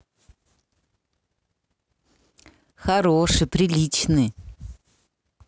хороший приличный